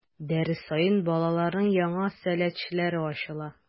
Дәрес саен балаларның яңа сәләтләре ачыла.